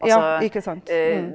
ja ikke sant ja.